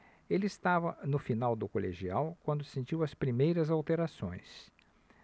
ele estava no final do colegial quando sentiu as primeiras alterações